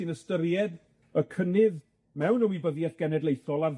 sy'n ystyried y cynnydd mewn ymwybyddieth genedlaethol ar